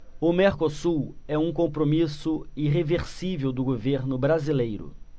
o mercosul é um compromisso irreversível do governo brasileiro